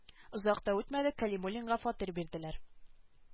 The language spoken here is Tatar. Озак та үтмәде кәлимуллинга фатир бирделәр